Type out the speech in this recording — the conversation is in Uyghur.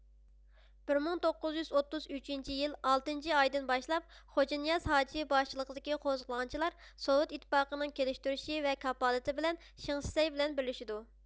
بىر مىڭ توققۇزيۈز ئوتتۇز ئۈچىنچى يىل ئالتىنچى ئايدىن باشلاپ خوجانىياز ھاجى باشچىلىقىدىكى قوزغىلاڭچىلار سوۋېت ئىتتىپاقىنىڭ كېلىشتۈرۈشى ۋە كاپالىتى بىلەن شېڭ شىسەي بىلەن بىرلىشىدۇ